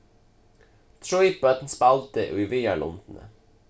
trý børn spældu í viðarlundini